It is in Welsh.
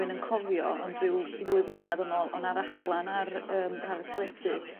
un yn cofio ond ryw ddwy flynadd yn ôl o' 'na raglan ar yym ar y teledu.